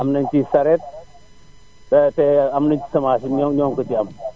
am nañu ci charette te te am nañu ci semence it ñoo ngi ko ciy am